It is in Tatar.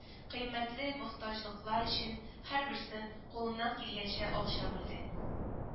Кыйммәтле мохтаҗлыклар өчен һәрберсе кулыннан килгәнчә акча бүлде